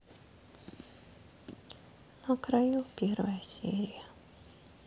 на краю первая серия